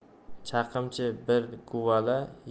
chaqimchi bir guvala